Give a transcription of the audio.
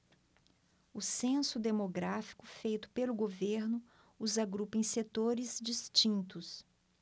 o censo demográfico feito pelo governo os agrupa em setores distintos